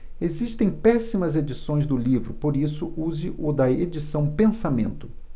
existem péssimas edições do livro por isso use o da edição pensamento